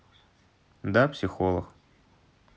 да психолог